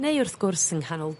Neu wrth gwrs yng nghanol